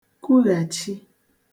kughàchi